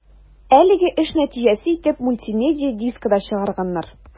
Әлеге эш нәтиҗәсе итеп мультимедия дискы да чыгарганнар.